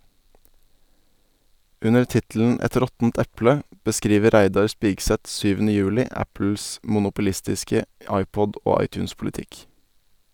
Under tittelen "Et råttent eple" beskriver Reidar Spigseth 7. juli Apples monopolistiske iPod- og iTunes-politikk.